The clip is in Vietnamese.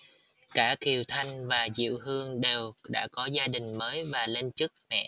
cả kiều thanh và diệu hương đều đã có gia đình mới và lên chức mẹ